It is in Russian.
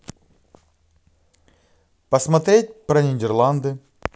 посмотреть про нидерланды